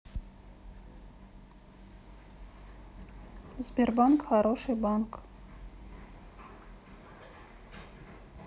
сбербанк хороший банк